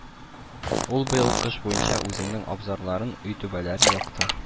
Ул быел кыш буенча үзенең абзарларын, өй түбәләрен якты